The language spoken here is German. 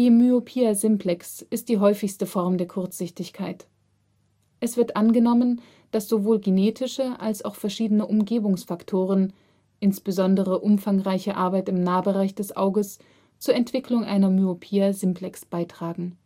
Myopia simplex ist die häufigste Form der Kurzsichtigkeit. Es wird angenommen, dass sowohl genetische als auch verschiedene Umgebungsfaktoren, insbesondere umfangreiche Arbeit im Nahbereich des Auges zur Entwicklung einer Myopia simplex beitragen